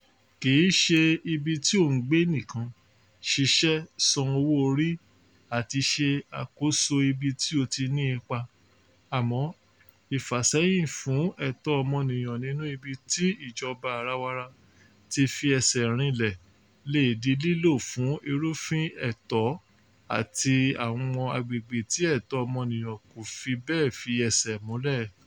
Kì í ṣe ibi tí ò ń gbé nìkan, ṣiṣẹ́, san owó orí àti ṣe àkóso ibi tí ó ti ní ipa, àmọ́ ìfàsẹ́yìn fún ẹ̀tọ́ ọmọnìyàn nínú ibi tí ìjọba àwa-arawa ti fi ẹsẹ̀ rinlẹ̀ lè di lílò fún ìrúfin ẹ̀tọ́ ní àwọn agbègbè tí ẹ̀tọ́ ọmọnìyàn kò fi bẹ́ẹ̀ fi ẹsẹ̀ múlẹ̀.